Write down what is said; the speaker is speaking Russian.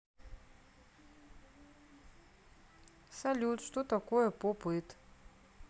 салют что такое pop it